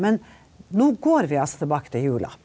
men nå går vi altså tilbake til jula.